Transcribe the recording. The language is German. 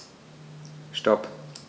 Stop.